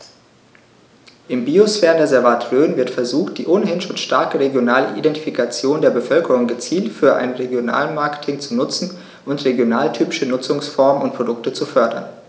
Im Biosphärenreservat Rhön wird versucht, die ohnehin schon starke regionale Identifikation der Bevölkerung gezielt für ein Regionalmarketing zu nutzen und regionaltypische Nutzungsformen und Produkte zu fördern.